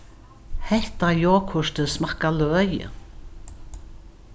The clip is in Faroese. hetta jogurtið smakkar løgið